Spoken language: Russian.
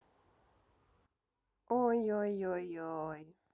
ой ой ой ой